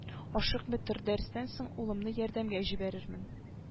Ашыкмый тор дәрестән соң улымны ярдәмгә җибәрермен